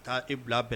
Taa e bila bɛn